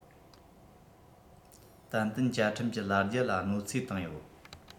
ཏན ཏན བཅའ ཁྲིམས ཀྱི ལ རྒྱ ལ གནོད འཚེ བཏང ཡོད